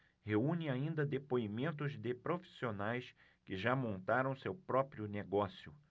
reúne ainda depoimentos de profissionais que já montaram seu próprio negócio